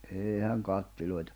eihän kattiloita